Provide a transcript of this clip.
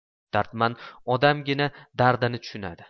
dardman odamgina birovning dardini tushunadi